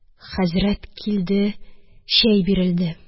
Хәзрәт килде, чәй бирелде